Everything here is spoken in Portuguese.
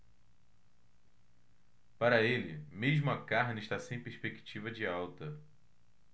para ele mesmo a carne está sem perspectiva de alta